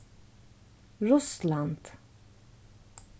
russland